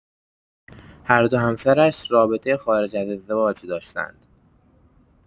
هر دو همسرش رابطه خارج از ازدواج داشتند.